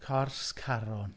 Cors Caron.